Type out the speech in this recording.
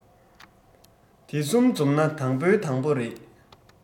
དེ གསུམ འཛོམས ན དང པོའི དང པོ རེད